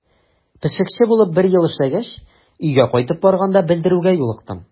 Пешекче булып бер ел эшләгәч, өйгә кайтып барганда белдерүгә юлыктым.